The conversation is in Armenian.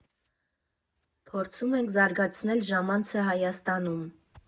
Փորձում ենք զարգացնել ժամանցը Հայաստանում»։